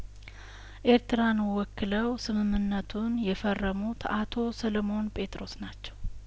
ኤርትራን ወክለው ስምምነቱን የፈረሙት አቶ ሰለሞን ጴጥሮስ ናቸው